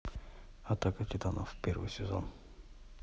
атака титанов первый сезон